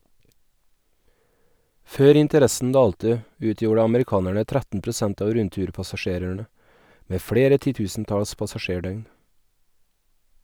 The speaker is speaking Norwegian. Før interessen dalte , utgjorde amerikanerne 13 prosent av rundturpassasjerene, med flere titusentalls passasjerdøgn.